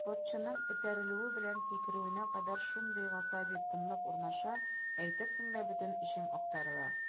Спортчының этәрелүе белән сикерүенә кадәр шундый гасаби тынлык урнаша, әйтерсең лә бөтен эчең актарыла.